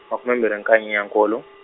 makume mbirhi nkaye Nyenyankulu.